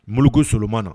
Mori solonma na